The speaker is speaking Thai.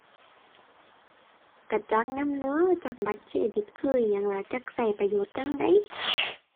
ก็จักนำเด้อ จักบัตรเครดิตคืออิหยังล่ะ จักก็ประโยชน์จั่งใด